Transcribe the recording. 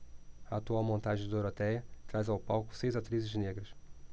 a atual montagem de dorotéia traz ao palco seis atrizes negras